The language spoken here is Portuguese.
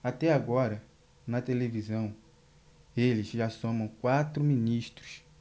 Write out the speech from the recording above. até agora na televisão eles já somam quatro ministros